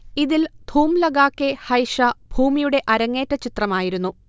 ഇതിൽ ധൂം ലഗ കെ ഹൈഷ ഭൂമിയുടെ അരങ്ങേറ്റ ചിത്രമായിരുന്നു